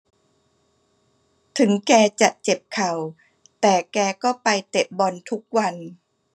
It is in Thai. ถึงแกจะเจ็บเข่าแต่แกก็ไปเตะบอลทุกวัน